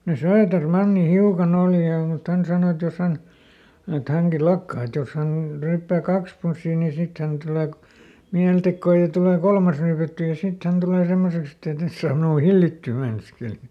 semmoinen Söderman hiukan oli ja mutta hän sanoi että jos hän että hänkin lakkasi että jos hän ryyppää kaksi punssia niin sitten tulee - mielitekoa ja tulee kolmas ryypättyä ja sitten hän tulee semmoiseksi että ei tässä saa minua hillittyä meinaskeli